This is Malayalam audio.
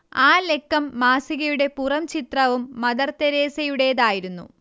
ആ ലക്കം മാസികയുടെ പുറംചിത്രവും മദർതെരേസയുടേതായിരുന്നു